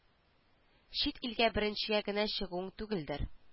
Чит илгә беренчегә генә чыгуың түгелдер